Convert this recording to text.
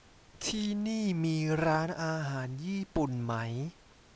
ที่นี่มีร้านอาหารญี่ปุ่นไหม